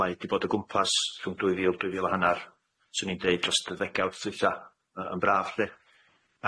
Mai 'di bod o gwmpas rhwng dwy fil dwy fil a hannar 'swn i'n deud dros y ddegawd ddwytha yy yn braf lly.